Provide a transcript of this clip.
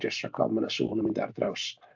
Jyst rhag ofn ma' 'na sŵn yn mynd ar draws.